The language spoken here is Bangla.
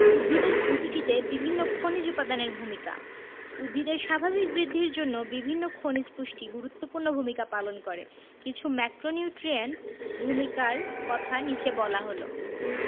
উদ্ভিদের পুষ্টিতে বিভিন্ন খনিজ উপাদানের ভূমিকা উদ্ভিদের স্বাভাবিক বৃদ্ধির জন্য বিভিন্ন খনিজ পুষ্টি গুরুত্বপূর্ণ ভূমিকা পালন করে কিছু ম্যাক্রোনিউট্রিয়েন্টের ভূমিকার কথা নিচে বলা হল